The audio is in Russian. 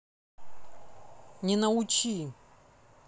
не научи